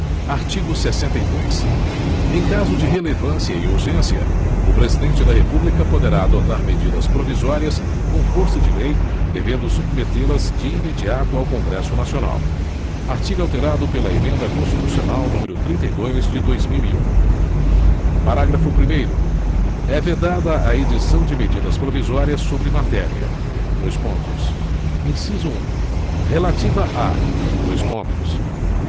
artigo sessenta e dois em caso de relevância e urgência o presidente da república poderá adotar medidas provisórias com força de lei devendo submetê las de imediato ao congresso nacional artigo alterado pela emenda constitucional número trinta e dois de dois mil e um parágrafo primeiro é vedada a edição de medidas provisórias sobre matéria dois pontos inciso um relativa a dois pontos